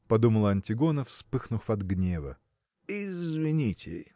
– подумала Антигона, вспыхнув от гнева. – Извините!